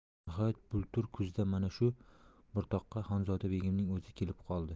nihoyat bultur kuzda mana shu buratoqqa xonzoda begimning o'zi kelib qoldi